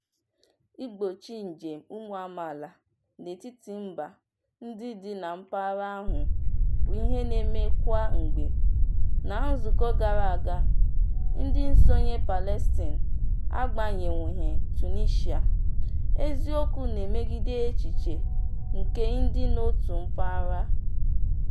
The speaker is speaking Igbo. Mgbochi njem ụmụamaala n'etiti mba ndị dị na mpaghara ahụ bụ Ihe na-eme kwa mgbe (na nzụkọ gara aga, ndị nsonye Palestine abanyenwughị Tunisia) eziokwu na-emegide echiche nke ịdị n'otu mpaghara.